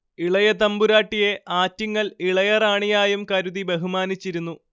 ഇളയ തമ്പുരാട്ടിയെ ആറ്റിങ്ങൽ ഇളയ റാണിയായും കരുതി ബഹുമാനിച്ചിരുന്നു